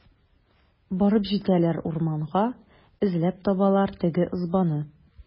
Барып җитәләр урманга, эзләп табалар теге ызбаны.